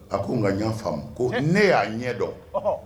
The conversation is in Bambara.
A ko nka ne y'a faamu, ko ne y'a ɲɛ dɔn.